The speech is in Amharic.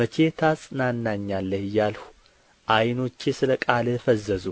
መቼ ታጽናናኛለህ እያልሁ ዓይኖቼ ስለ ቃልህ ፈዘዙ